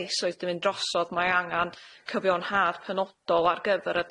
eisoes 'di mynd drosodd mae angan cyfiawnhad penodol ar gyfer y